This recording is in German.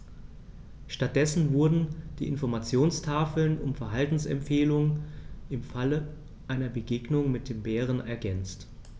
Stattdessen wurden die Informationstafeln um Verhaltensempfehlungen im Falle einer Begegnung mit dem Bären ergänzt.